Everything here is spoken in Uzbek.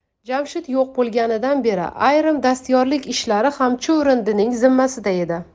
jamshid yo'q bo'lganidan beri ayrim dastyorlik ishlari ham chuvrindining zimmasida edi